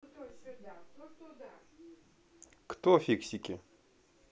кто фиксики